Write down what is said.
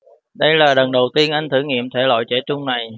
đây là lần đầu tiên anh thử nghiệm thể loại trẻ trung này